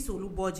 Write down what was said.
I s'olu bɔ di yan.